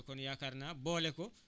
kon yaakaar naa boole ko